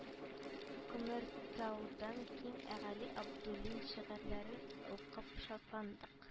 Күмертаудан кин әгали абдуллин шигырьләрен укып шатландык